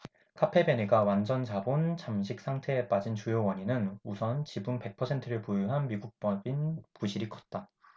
카페베네가 완전자본잠식 상태에 빠진 주요 원인은 우선 지분 백 퍼센트를 보유한 미국법인 부실이 컸다